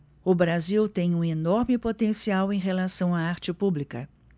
o brasil tem um enorme potencial em relação à arte pública